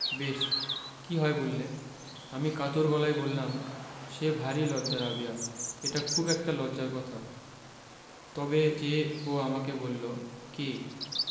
বেশ কি হয় বললে আমি কাতর গলায় বললাম সে ভারী লজ্জা রাবেয়া এটা খুব একটা লজ্জার কথা তবে যে ও আমাকে বললো কে